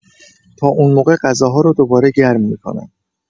تا اون موقع غذاها رو دوباره گرم می‌کنم.